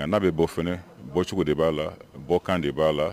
Nka n'a bɛ bɔ fɛnɛ bɔcogo de b'ala bɔ kan de b'a la